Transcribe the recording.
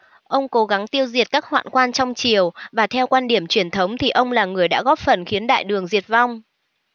ông cố gắng tiêu diệt các hoạn quan trong triều và theo quan điểm truyền thống thì ông là người đã góp phần khiến đại đường diệt vong